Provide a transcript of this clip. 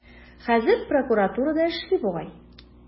Хәзер прокуратурада эшли бугай.